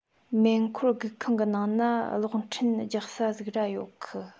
མེ འཁོར སྒུག ཁང གི ནང ན གློག འཕྲིན རྒྱག ས ཟིག ར ཡོད གི